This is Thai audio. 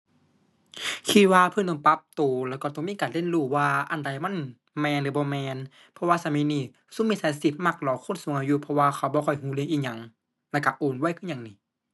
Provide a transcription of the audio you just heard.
คิดว่าเพิ่นต้องปรับตัวแล้วก็ต้องมีการเรียนรู้ว่าอันใดมันแม่นหรือบ่แม่น เพราะว่าสมัยนี้ซุมมิจฉาชีพมักหลอกคนสูงอายุ เพราะว่าเขาบ่ค่อยตัวเรื่องอิหยัง แล้วตัวโอนไวคือหยังหนิ